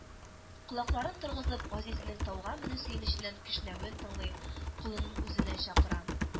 Колакларын торгызып газизенең тауга менү сөенеченнән кешнәвен тыңлый, колынын үзенә чакыра